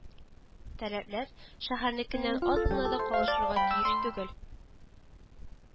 Таләпләр шәһәрнекеннән аз гына да калышырга тиеш түгел